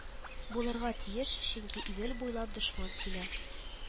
Булырга тиеш, чөнки Идел буйлап дошман килә